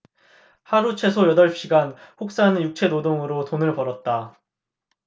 하루 최소 여덟 시간 혹사하는 육체노동으로 돈을 벌었다